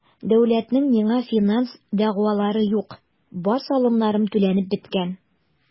Дәүләтнең миңа финанс дәгъвалары юк, бар салымнарым түләнеп беткән.